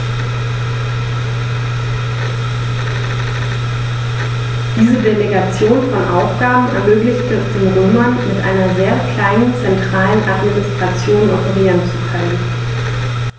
Diese Delegation von Aufgaben ermöglichte es den Römern, mit einer sehr kleinen zentralen Administration operieren zu können.